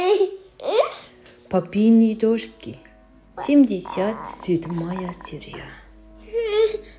папины дочки семьдесят седьмая серия